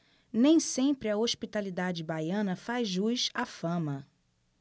nem sempre a hospitalidade baiana faz jus à fama